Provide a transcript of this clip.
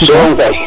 jem som kay